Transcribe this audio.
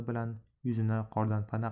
bilan yuzini qordan pana qilib